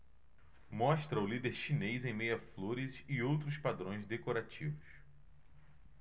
mostra o líder chinês em meio a flores e outros padrões decorativos